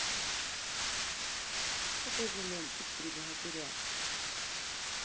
покажи мультик три богатыря